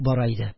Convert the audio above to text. Бара иде.